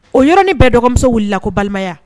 O yɔrɔ nin bɛɛ dɔgɔmuso wulila la ko balimaya